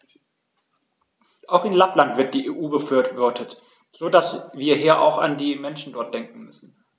Auch in Lappland wird die EU befürwortet, so dass wir hier auch an die Menschen dort denken müssen.